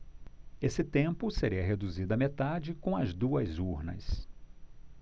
esse tempo seria reduzido à metade com as duas urnas